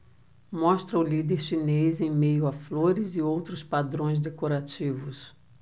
mostra o líder chinês em meio a flores e outros padrões decorativos